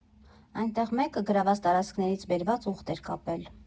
Այնտեղ մեկը գրաված տարածքներից բերված ուղտ էր կապել։